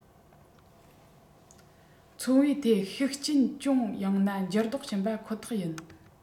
འཚོ བའི ཐད ཤུགས རྐྱེན ཅུང ཡང ན འགྱུར ལྡོག བྱིན པ ཁོ ཐག ཡིན